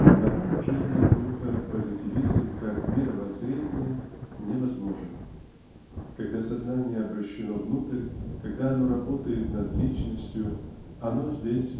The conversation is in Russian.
В нормальной жизни духа позитивизм как мировоззрение невозможен. Когда сознание обращено внутрь когда оно работает над личностью -- оно здесь